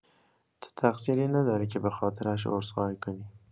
تو تقصیری نداری که به خاطرش عذرخواهی کنی.